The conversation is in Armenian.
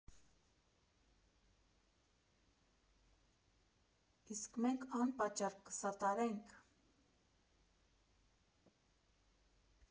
Իսկ մենք անպատճառ կսատարե՜նք։